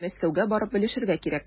Мәскәүгә барып белешергә кирәк.